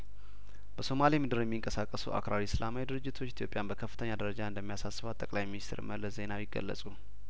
በሶማሌ ምድር የሚንቀሳቀሱ አክራሪ እስላማዊ ድርጅቶች ኢትዮጵያን በከፍተኛ ደረጃ እንደሚያሳስቧት ጠቅለይ ሚንስትር መለስ ዜናዊ ገለጹ